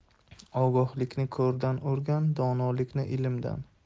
ogohlikni ko'rdan o'rgan donolikni ilmdan